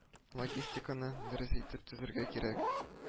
Логистиканы дөрес итеп төзергә кирәк